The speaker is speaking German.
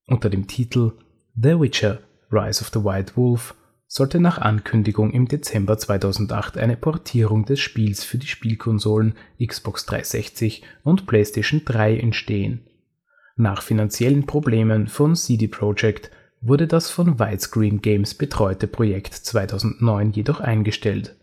Unter dem Titel The Witcher: Rise of the White Wolf sollte nach Ankündigung im Dezember 2008 eine Portierung des Spiels für die Spielkonsolen Xbox 360 und PlayStation 3 entstehen. Nach finanziellen Problemen von CD Projekt wurde das von Widescreen Games betreute Projekt 2009 jedoch eingestellt